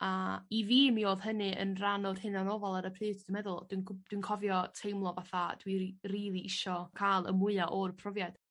A i fi mi odd hynny yn rhan o'r hunanofal ar y pryd meddwl dwi'n gw- dwi'n cofio teimlo fatha dwi rili isio ca'l y mwya o'r profiad.